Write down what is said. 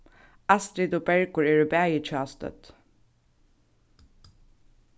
astrid og bergur eru bæði hjástødd